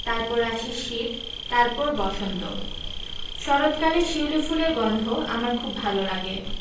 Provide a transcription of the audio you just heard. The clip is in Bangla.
তারপর আসে শীত তারপর বসন্ত শরত কালে সিউলি ফুলের গন্ধ আমার খুব ভালো লাগে